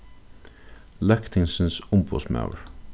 løgtingsins umboðsmaður